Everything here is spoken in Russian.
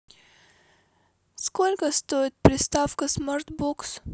сколько стоит приставка смарт бокс